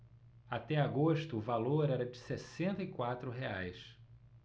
até agosto o valor era de sessenta e quatro reais